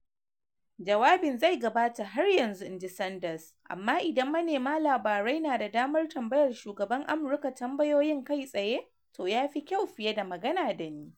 Jawabin zai gabata har yanzu, in ji Sanders, amma "idan manema labarai na da damar tambayar shugaban Amurka tambayoyin, kai tsaye toh yafi kyau fiye da magana da ni.